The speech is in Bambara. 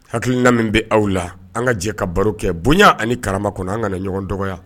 Hakilikilina min bɛ aw la an ka jɛ ka baro kɛ bonya ani kara kɔnɔ an ka ɲɔgɔn dɔgɔya